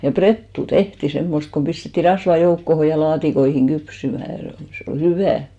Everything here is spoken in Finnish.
ja prettua tehtiin semmoista kuin pistettiin rasvaa joukkoon ja laatikoihin kypsymään se oli se oli hyvää